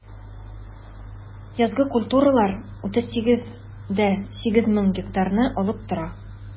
Язгы культуралар 38,8 мең гектарны алып тора.